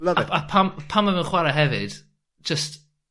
Love it. A p- a pan pan odd e'n chwar'e hefyd jyst